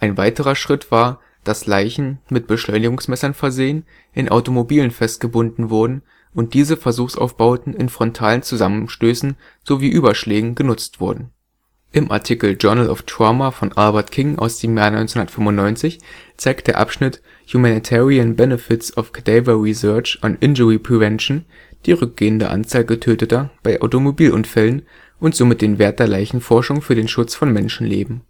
weiterer Schritt war, dass Leichen – mit Beschleunigungsmessern versehen – in Automobilen festgebunden wurden, und diese Versuchsaufbauten in frontalen Zusammenstößen sowie Überschlägen genutzt wurden. Im Artikel Journal of Trauma von Albert King aus dem Jahr 1995 zeigt der Abschnitt Humanitarian Benefits of Cadaver Research on Injury Prevention die rückgehende Anzahl Getöteter bei Automobilunfällen und somit den Wert der Leichenforschung für den Schutz von Menschenleben